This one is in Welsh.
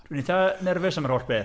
Dwi'n eitha nerfus am yr holl beth.